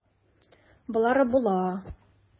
Болары була.